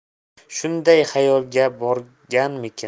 shunday xayolga borganmikin